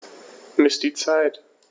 Miss die Zeit.